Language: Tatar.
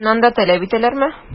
Чыннан да таләп итәләрме?